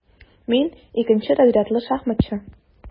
Мин - икенче разрядлы шахматчы.